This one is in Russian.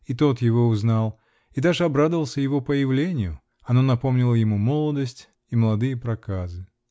И тот его узнал и даже обрадовался его появлению: оно напоминало ему молодость и молодые проказы.